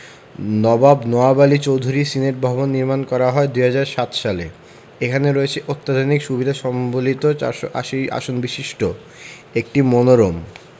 নবাব নওয়াব আলী চৌধুরী সিনেটভবন নির্মাণ করা হয় ২০০৭ সালে এখানে রয়েছে অত্যাধুনিক সুবিধা সম্বলিত ৪৮০ আসন বিশিষ্ট একটি মনোরম